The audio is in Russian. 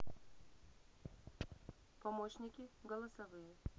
помощники голосовые